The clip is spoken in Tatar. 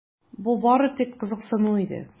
Бу бары тик кызыксыну иде.